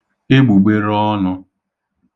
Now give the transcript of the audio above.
egbùgberọọnụ̄